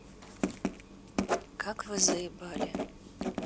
как вы заебали